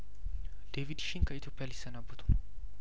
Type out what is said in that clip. ዴቪድ ሺን ከኢትዮጵያ ሊሰናበቱ ነው